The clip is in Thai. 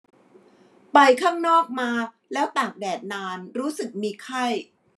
ไปข้างนอกมาแล้วตากแดดนานรู้สึกมีไข้